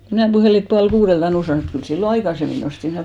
kun minä puhelin että puoli kuudelta aluksi oltiin mutta kyllä silloin aikaisemmin noustiin